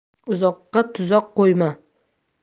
uzoqqa tuzoq qo'yma